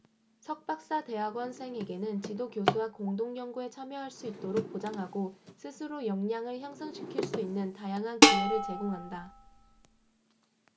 석 박사 대학원생에게는 지도교수와 공동 연구에 참여할 수 있도록 보장하고 스스로 역량을 향상시킬 수 있는 다양한 기회를 제공한다